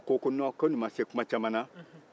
mɔgɔw ko nɔn ko ni ma se kuma caman na